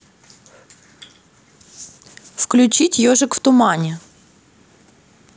включить ежик в тумане